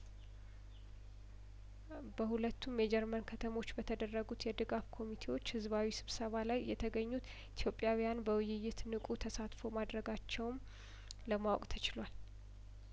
በሁለቱም የጀርመን ከተሞች በተደረጉት የድጋፍ ኮሚቴዎች ህዝባዊ ስብሰባ ላይ የተገኙት ኢትዮጵያውያን በውይይት ንቁ ተሳትፎ ማድረጋቸውን ለማወቅ ተችሏል